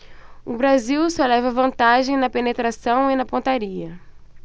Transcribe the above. o brasil só leva vantagem na penetração e na pontaria